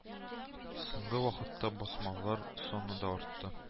Соңгы вакытта басмалар саны да артты